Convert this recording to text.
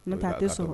Ne taa a tɛ sɔrɔ